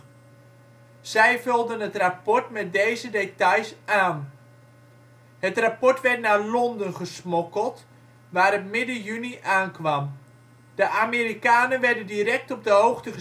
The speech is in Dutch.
Zij vulden het rapport met deze details aan. Het rapport werd naar Londen gesmokkeld, waar het midden juni aankwam. De Amerikanen werden direct op de hoogte